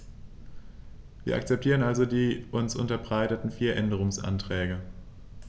Wir akzeptieren also die uns unterbreiteten vier Änderungsanträge.